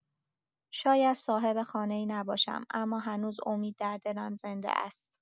شاید صاحب خانه‌ای نباشم، اما هنوز امید در دلم زنده است.